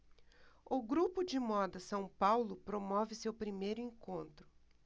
o grupo de moda são paulo promove o seu primeiro encontro